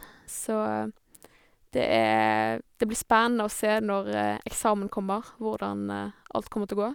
Så det er det blir spennende å se når eksamen kommer, hvordan alt kommer til å gå.